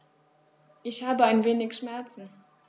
Ich habe ein wenig Schmerzen.